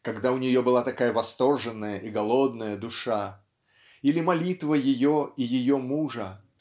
когда у нее была такая восторженная и голодная душа или молитва ее и ее мужа